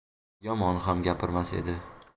yomon ham gapirmas edi